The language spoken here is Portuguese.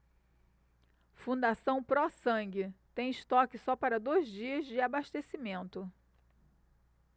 fundação pró sangue tem estoque só para dois dias de abastecimento